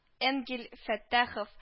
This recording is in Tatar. Энгель Фәттахов